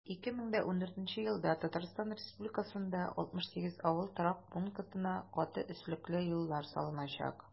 2014 елда татарстан республикасында 68 авыл торак пунктына каты өслекле юллар салыначак.